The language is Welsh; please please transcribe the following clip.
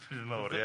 brydydd fawr ia.